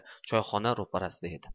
choyxona ro'parasida edi